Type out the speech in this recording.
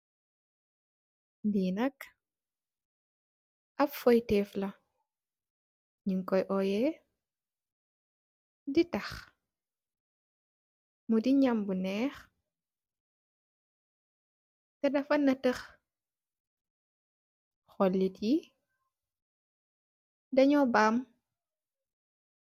Li nak ap lekeh la nyung koi oyeh ditakh di nyam bu nekh dafa werta khulit yi danyu baam